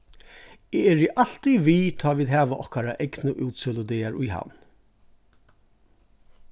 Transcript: eg eri altíð við tá vit hava okkara egnu útsøludagar í havn